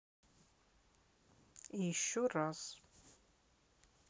и еще раз